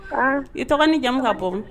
I tɔgɔ ni jamu ka bon